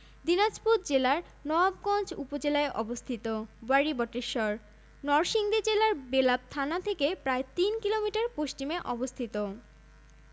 গ্রামীণ ১০৯দশমিক ২ মিলিয়ন জন্মের সময় প্রত্যাশিত আয়ু ৬৬দশমিক ৯ বৎসর নৃতাত্ত্বিক দৃষ্টিকোণ থেকে বাংলাদেশের মানুষ দ্রাবিড় প্রোটো অস্ট্রালয়েড মঙ্গোলীয় এবং আর্যদের সংকর